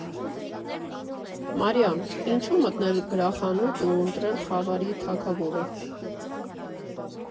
Մարիամ, ինչո՞ւ մտնել գրախանութ ու ընտրել «Խավարի թագավորը»։